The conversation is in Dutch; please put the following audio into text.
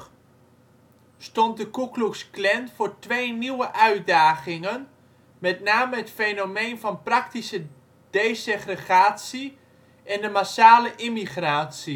stond de Ku Klux Klan voor twee nieuwe uitdagingen, met name het fenomeen van praktische desegregatie en de massale immigratie